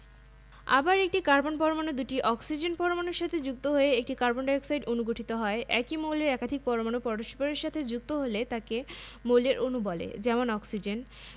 আবার লেখার চককে যদি ভাঙা যায় তাহলে সেখানে ক্যালসিয়াম কার্বন ও অক্সিজেন এ তিনটি মৌল পাওয়া যাবে যে সকল পদার্থকে ভাঙলে দুই বা দুইয়ের অধিক মৌল পাওয়া যায় তাদেরকে যৌগিক পদার্থ বলে